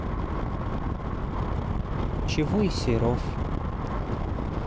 чего и серов